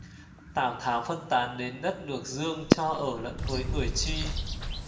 tào tháo phân tán đến đất lược dương cho ở lẫn với người chi